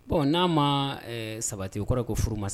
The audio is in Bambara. Bon na ma ɛɛ sabati, o kɔrɔ ko furu ma sa